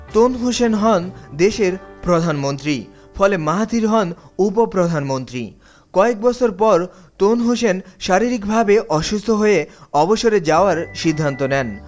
তুন Hussein হন দেশের প্রধানমন্ত্রী ফলে মাহাথির হন উপ-প্রধানমন্ত্রী কয়েক বছর পর তুন হোসেন শারীরিকভাবে অসুস্থ হয়ে অবসরে যাওয়ার সিদ্ধান্ত নেন